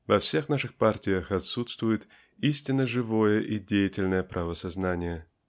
Во всех наших партиях отсутствует истинно живое и деятельное правосознание.